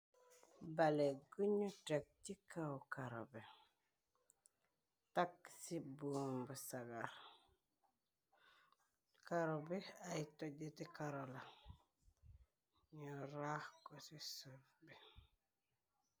Bale guñu teg ci kaw karobe tak ci buumbu sagar karobe ay tojiti karola ñoo raax ko ci suf bi.